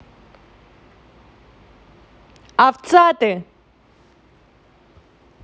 овца ты